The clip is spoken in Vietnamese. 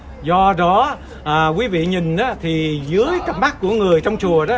do đó à quý vị nhìn á thì dưới cặp mắt của người trong chùa đó